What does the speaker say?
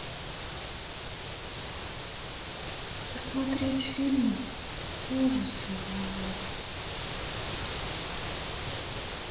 посмотреть фильмы ужасы новые